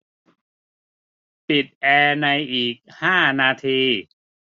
ปิดแอร์ในอีกห้านาที